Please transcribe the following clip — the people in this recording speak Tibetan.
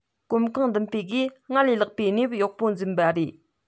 གོམ གང མདུན སྤོས སྒོས སྔར ལས ལྷག པའི གནས བབ ཡག པོ འཛིན པས རེད